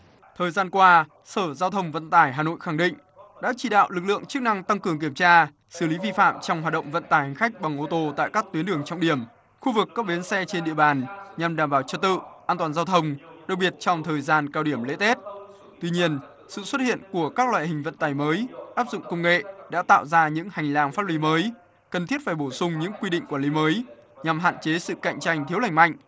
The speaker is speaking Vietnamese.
thời gian qua sở giao thông vận tải hà nội khẳng định đã chỉ đạo lực lượng chức năng tăng cường kiểm tra xử lý vi phạm trong hoạt động vận tải hành khách bằng ô tô tại các tuyến đường trọng điểm khu vực các bến xe trên địa bàn nhằm đảm bảo trật tự an toàn giao thông đặc biệt trong thời gian cao điểm lễ tết tuy nhiên sự xuất hiện của các loại hình vận tải mới áp dụng công nghệ đã tạo ra những hành lang pháp lý mới cần thiết phải bổ sung những quy định quản lý mới nhằm hạn chế sự cạnh tranh thiếu lành mạnh